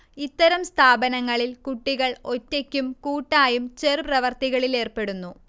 ഇത്തരം സ്ഥാപനങ്ങളിൽ കുട്ടികൾ ഒറ്റയ്ക്കും കൂട്ടായും ചെറുപ്രവൃത്തികളിലേർപ്പെടുന്നു